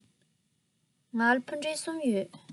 ང ལ ཕུ འདྲེན གསུམ ཡོད